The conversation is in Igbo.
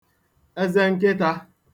eze nkịtā